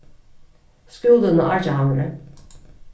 skúlin á argjahamri